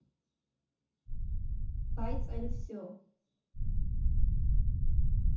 Բայց էլ վսյո։